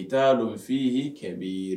I t'a donfin kɛmɛ b'i